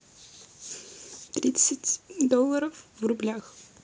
тридцать долларов в рублях